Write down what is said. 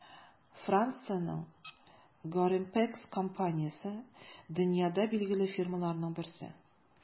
Франциянең Gorimpex компаниясе - дөньяда билгеле фирмаларның берсе.